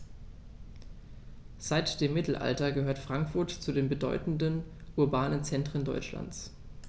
Seit dem Mittelalter gehört Frankfurt zu den bedeutenden urbanen Zentren Deutschlands.